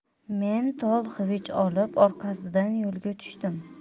men tol xivich olib orqasidan yo'lga tushdim